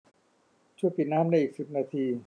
ช่วยปิดน้ำในอีกสิบนาที